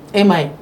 E m'a ye